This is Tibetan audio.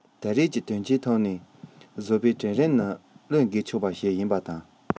ད རེས ཀྱི དོན རྐྱེན ཐོག ནས བཟོ པའི གྲལ རིམ ནི བློས འགེལ ཆོག པ ཞིག ཡིན པ དང